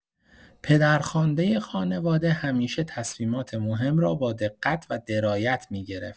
پدرخواندۀ خانواده همیشه تصمیمات مهم را با دقت و درایت می‌گرفت.